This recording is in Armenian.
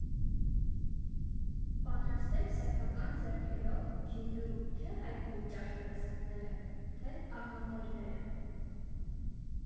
Պատրաստեք սեփական ձեռքերով Գյումրու թե՛ հայտնի ճաշատեսակները, թե՛ աղանդերները.